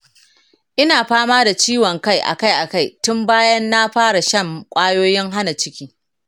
ina fama da ciwon kai akai-akai tun bayan na fara shan kwayoyin hana ciki.